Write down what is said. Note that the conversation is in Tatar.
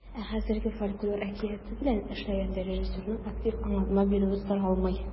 Ә хәзергә фольклор әкияте белән эшләгәндә режиссерның актив аңлатма бирүе соралмый.